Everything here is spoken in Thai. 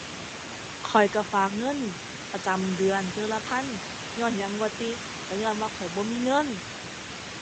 ข้อยก็ฝากเงินประจำเดือนเทื่อละพัน ญ้อนหยังว่าติ ก็ญ้อนว่าข้อยบ่มีเงิน